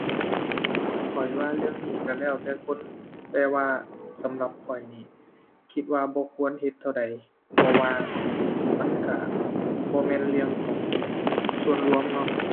ข้อยว่าเรื่องนี้ก็แล้วแต่คน แต่ว่าสำหรับข้อยนี่คิดว่าบ่ควรเฮ็ดเท่าใด เพราะว่ามันก็บ่แม่นเรื่องของส่วนรวมเนาะ